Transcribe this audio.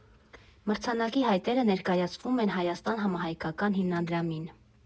Մրցանակի հայտերը ներկայացվում են «Հայաստան» համահայկական հիմնադրամին։